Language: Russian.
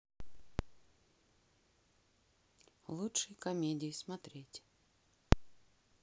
лучшие комедии смотреть